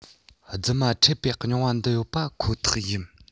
རྫུན མ འཕྲད པའི མྱོང བ འདི ཡོད པ ཁོ ཐག ཡིན